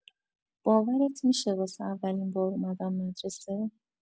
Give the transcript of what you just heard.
باورت می‌شه واسه اولین بار اومدم مدرسه؟